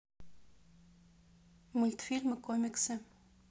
мультфильмы комиксы